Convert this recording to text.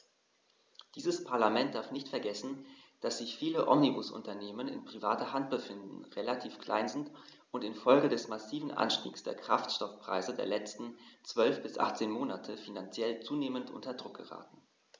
Dieses Parlament darf nicht vergessen, dass sich viele Omnibusunternehmen in privater Hand befinden, relativ klein sind und in Folge des massiven Anstiegs der Kraftstoffpreise der letzten 12 bis 18 Monate finanziell zunehmend unter Druck geraten.